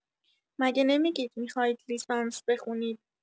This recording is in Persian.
مگه نمی‌گید میخواید لیسانس بخونید؟